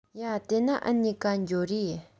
ཡ དེས ན འུ གཉིས ཀ འགྱོ རེས